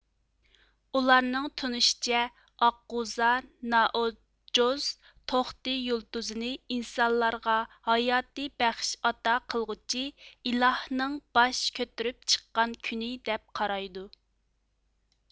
ئۇلارنىڭ تونۇشىچە ئاققۇزا نائوجوز توقتى يۇلتۇزىنى ئىنسانلارغا ھاياتى بەخش ئاتاقىلغۇچى ئىلا ھىنىڭ باش كۆتۈرۈپ چىققان كۈنى دەپ قارايدۇ